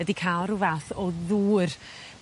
ydi ca'l ryw fath o ddŵr